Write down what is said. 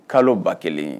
Kalo ba kelen ye